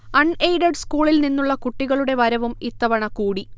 അൺ aided സ്കൂളിൽനിന്നുള്ള കുട്ടികളുടെ വരവും ഇത്തവണ കൂടി